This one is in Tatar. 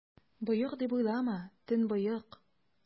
Боек, дип уйлама, төнбоек!